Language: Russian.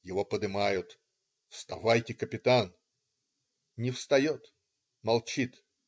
Его подымают: "вставайте, капитан". Не встает, молчит.